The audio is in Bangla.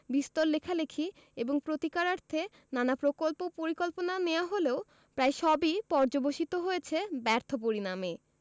বিস্তর লেখালেখি এবং প্রতিকারার্থে নানা প্রকল্প ও পরিকল্পনা নেয়া হলেও প্রায় সবই পর্যবসিত হয়েছে ব্যর্থ পরিণামে